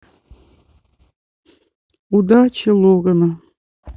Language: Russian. удача логана